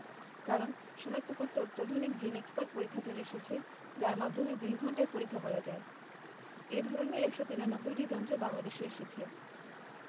কারণ শনাক্ত করতে অত্যাধুনিক জিন এক্সপার্ট পরীক্ষা চলে এসেছে যার মাধ্যমে দুই ঘণ্টায় পরীক্ষা করা যায় এ ধরনের ১৯৩টি যন্ত্র বাংলাদেশে এসেছে